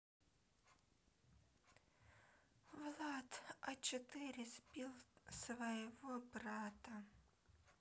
влад а четыре сбил своего брата